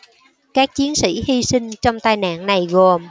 các chiến sĩ hi sinh trong tai nạn này gồm